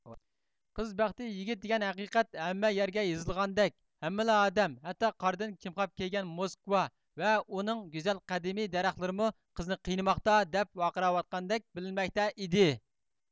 قىز بەختى يىگىت دېگەن ھەقىقەت ھەممە يەرگە يېزىلغاندەك ھەممىلا ئادەم ھەتتا قاردىن كىمخاب كىيگەن موسكۋا ۋە ئۇنىڭ گۈزەل قەدىمىي دەرەخلىرىمۇ قىزنى قىينىماقتا دەپ ۋارقىراۋاتقاندەك بىلىنمەكتە ئىدى